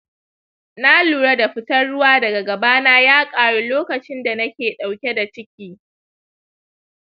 na lura da fitar ruwa daga gabana ya karu lokacinda nake dauke da ciki